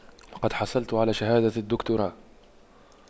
لقد حصلت على شهادة الدكتوراه